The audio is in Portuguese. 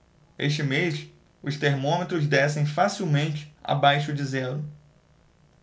este mês os termômetros descem facilmente abaixo de zero